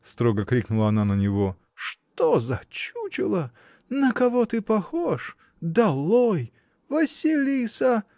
— строго крикнула она на него, — что за чучело, на кого ты похож? Долой! Василиса!